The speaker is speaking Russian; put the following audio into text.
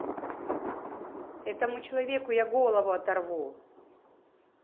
этому человеку я голову оторву